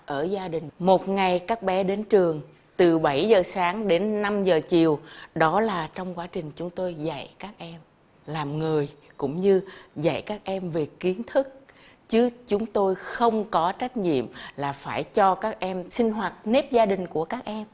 ở gia đình một ngày các bé đến trường từ bảy giờ sáng đến năm giờ chiều đó là trong quá trình chúng tôi dạy các em làm người cũng như dạy các em về kiến thức chứ chúng tôi không có trách nhiệm là phải cho các em sinh hoạt nếp gia đình của các em